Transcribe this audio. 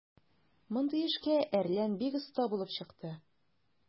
Мондый эшкә "Әрлән" бик оста булып чыкты.